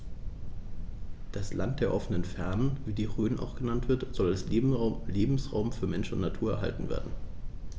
Das „Land der offenen Fernen“, wie die Rhön auch genannt wird, soll als Lebensraum für Mensch und Natur erhalten werden.